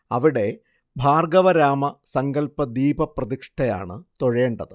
അവിടെ ഭാർഗ്ഗവരാമ സങ്കല്പ ദീപപ്രതിഷ്ഠയാണ് തൊഴേണ്ടത്